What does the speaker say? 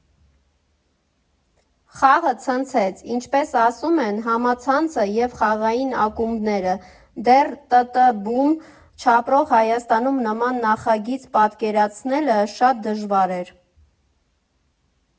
Խաղը ցնցեց, ինչպես ասում են, համացանցը և խաղային ակումբները՝ դեռ ՏՏ֊բում չապրող Հայաստանում նման նախագիծ պատկերացնելը շատ դժվար էր։